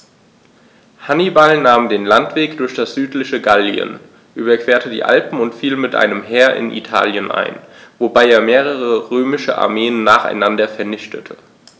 Hannibal nahm den Landweg durch das südliche Gallien, überquerte die Alpen und fiel mit einem Heer in Italien ein, wobei er mehrere römische Armeen nacheinander vernichtete.